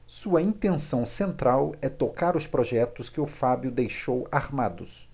sua intenção central é tocar os projetos que o fábio deixou armados